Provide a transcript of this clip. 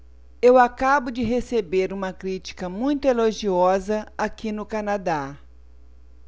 eu acabo de receber uma crítica muito elogiosa aqui no canadá